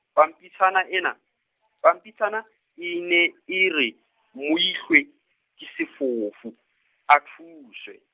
pampitshana ena , pampitshana e ne e re , Moihlwe, ke sefofu, a thuswe.